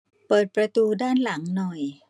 เปิดประตูด้านหลังหน่อย